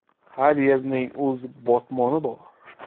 har yerning o'z botmoni bor